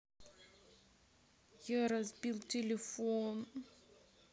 я разбил телефон